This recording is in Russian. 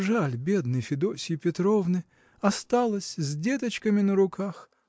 – Жаль бедной Федосьи Петровны: осталась с деточками на руках.